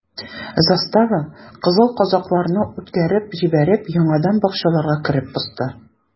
Застава, кызыл казакларны үткәреп җибәреп, яңадан бакчаларга кереп посты.